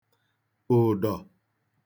ụ̀dọ̀